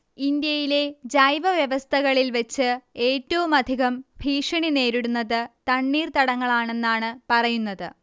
ഇന്ത്യയിലെ ജൈവവ്യവസ്ഥകളിൽ വെച്ച് ഏറ്റവുമധികം ഭീഷണിനേരിടുന്നത് തണ്ണീർതടങ്ങളാണെന്നാണ് പറയുന്നത്